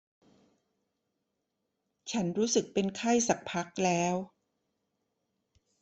ฉันรู้สึกเป็นไข้สักพักแล้ว